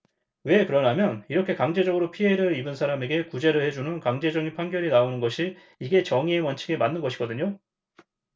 왜 그러냐면 이렇게 강제적으로 피해를 입은 사람에게 구제를 해 주는 강제적인 판결이 나오는 것이 이게 정의의 원칙에 맞는 것이거든요